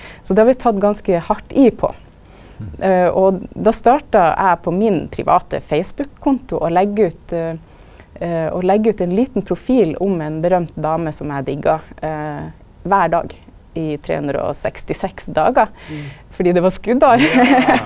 så det har vi tatt ganske hardt i på og då starta eg på min private Facebook-konto å legga ut å legga ut ein liten profil om ei berømt dame som eg digga kvar dag i 366 dagar fordi det var skotår .